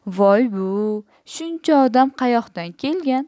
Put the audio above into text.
voy bu shuncha odam qayoqdan kelgan